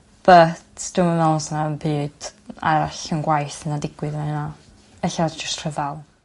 but dwi'm yn me'wl sna'm byd arall yn gwaeth na'n digwydd . Ella jyst rhyfal.